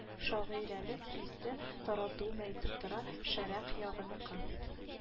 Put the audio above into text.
Шагыйрәлек хисе таратуым әйтеп тора шәрекъ ягыныкы